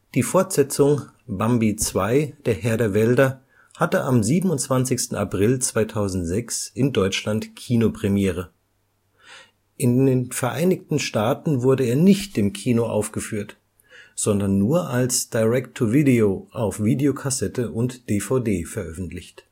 Die Fortsetzung Bambi 2 – Der Herr der Wälder hatte am 27. April 2006 in Deutschland Kinopremiere. In den Vereinigten Staaten wurde er nicht im Kino aufgeführt, sondern nur als „ Direct to Video “auf Videokassette und DVD veröffentlicht